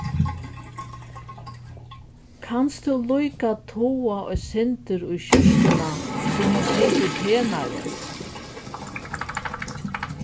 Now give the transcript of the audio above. kanst tú líka toga eitt sindur í skjúrtuna so hon situr penari